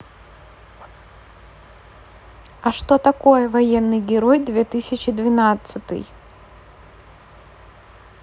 а что такое военный герой две тысячи двенадцатый